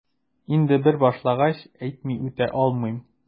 Инде бер башлангач, әйтми үтә алмыйм...